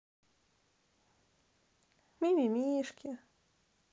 мимимишки